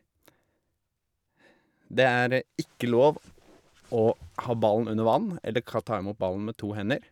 Det er ikke lov å ha ballen under vann eller ka ta imot ballen med to hender.